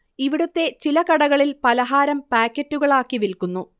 ഇവിടുത്തെ ചില കടകളിൽ പലഹാരം പായ്ക്കറ്റുകളാക്കി വിൽക്കുന്നു